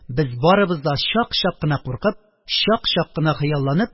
Без барыбыз да чак-чак кына куркып, чак-чак кына хыялланып